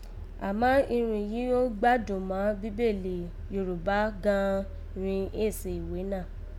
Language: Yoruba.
Àmá, irun yìí gho gbádùn má Bíbélì Yorùbá gan an rin, éè se ìwé náà